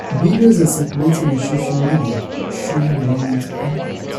Videos are circulating on social media showing the moment of impact.